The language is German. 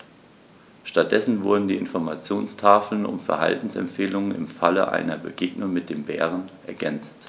Stattdessen wurden die Informationstafeln um Verhaltensempfehlungen im Falle einer Begegnung mit dem Bären ergänzt.